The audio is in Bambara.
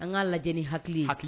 An k'a lajɛ ni hakili ye, hak